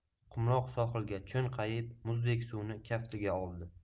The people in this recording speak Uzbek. qumloq sohilga cho'nqayib muzdek suvni kaftiga oldi